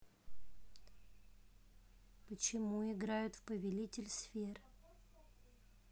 почему играют в повелитель сфер